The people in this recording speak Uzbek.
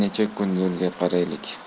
necha kun yo'liga qaraylik